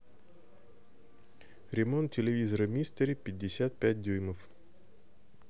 ремонт телевизора мистери пятьдесят пять дюймов